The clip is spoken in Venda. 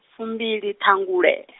fumbili tha hangule .